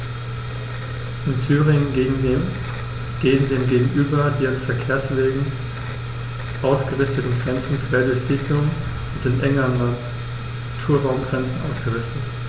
In Thüringen gehen dem gegenüber die an Verkehrswegen ausgerichteten Grenzen quer durch Siedlungen und sind eng an Naturraumgrenzen ausgerichtet.